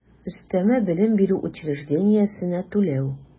Өстәмә белем бирү учреждениесенә түләү